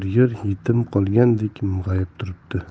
yetim qolgandek mung'ayib turibdi